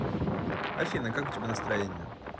афина как у тебя настроение